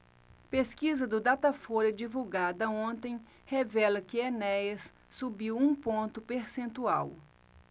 pesquisa do datafolha divulgada ontem revela que enéas subiu um ponto percentual